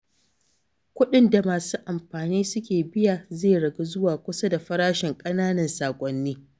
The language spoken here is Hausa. Kuɗin da masu amfani suke biya zai ragu zuwa kusa da farashin ƙananan saƙonni.